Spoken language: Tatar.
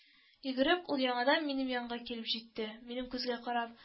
—йөгереп ул яңадан минем янга килеп җитте, минем күзгә карап: